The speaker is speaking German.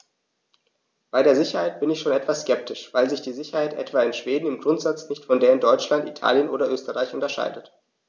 Bei der Sicherheit bin ich schon etwas skeptisch, weil sich die Sicherheit etwa in Schweden im Grundsatz nicht von der in Deutschland, Italien oder Österreich unterscheidet.